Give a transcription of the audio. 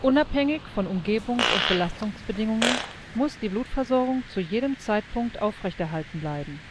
Unabhängig von Umgebungs - und Belastungsbedingungen muss die Blutversorgung zu jedem Zeitpunkt aufrechterhalten bleiben.